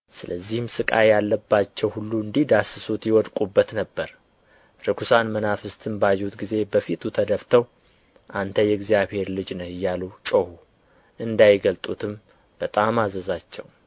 ስለዚህም ሥቃይ ያለባቸው ሁሉ እንዲዳስሱት ይወድቁበት ነበር ርኵሳን መናፍስትም ባዩት ጊዜ በፊቱ ተደፍተው አንተ የእግዚአብሔር ልጅ ነህ እያሉ ጮኹ እንዳይገልጡትም በጣም አዘዛቸው